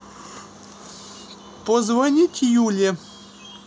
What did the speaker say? позвонить юле